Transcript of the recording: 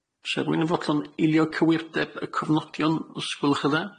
O'sa rywun yn fodlon eilio cywirdeb y cofnodion os gwelwch yn dda?